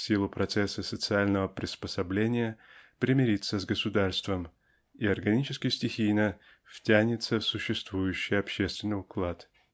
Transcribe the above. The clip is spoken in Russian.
в силу процесса социального приспособления примирится с государством и органически-стихийно втянется в существующий общественный уклад